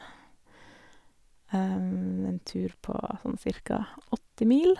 En tur på sånn cirka åtti mil.